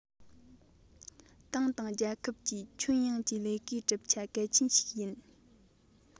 ཏང དང རྒྱལ ཁབ ཀྱི ཁྱོན ཡོངས ཀྱི ལས ཀའི གྲུབ ཆ གལ ཆེན ཞིག ཡིན